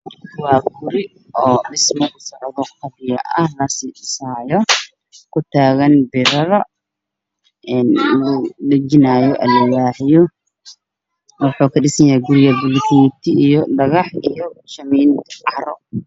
Waa guri dhismo ka socoto oo qabyo ah waxuu kutaagan yahay birar iyo alwaaxyo lugu dhajiyey, guriga waxuu kudhisan yahay bulukeeti iyo dhagax iyo carro.